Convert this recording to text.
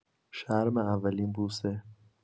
شرم اولین بوسه